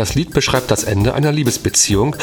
Lied beschreibt das Ende einer Liebesbeziehung